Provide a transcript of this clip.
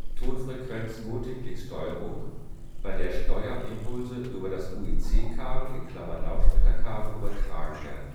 Tonfrequenz-Multiplex-Steuerung, bei der Steuerimpulse über das UIC-Kabel (Lautsprecherkabel) übertragen werden